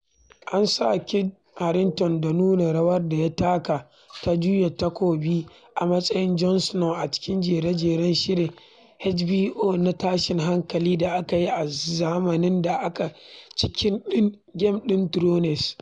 An san Kit Harington da nuna rawar da ya taka ta juya takobi a matsayin Jon Snow a cikin jere-jeren shirin HBO na tashin hankali da aka yi a zamanin da a cikin din Game of Thrones.